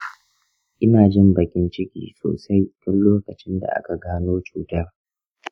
ina jin baƙin ciki sosai tun lokacin da aka gano cutar.